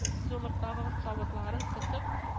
Зурлыктагы савытларын тотып